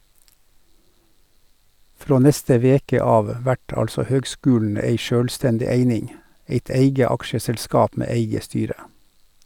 Frå neste veke av vert altså høgskulen ei sjølvstendig eining , eit eige aksjeselskap med eige styre.